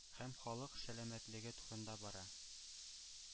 Һәм халык сәламәтлеге турында бара.